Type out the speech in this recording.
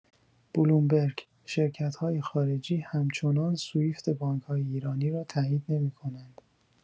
بلومبرگ: شرکت‌های خارجی همچنان سوئیفت بانک‌های ایران را تایید نمی‌کنند.